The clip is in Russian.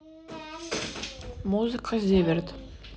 музыка зиверт